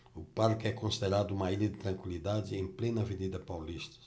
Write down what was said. o parque é considerado uma ilha de tranquilidade em plena avenida paulista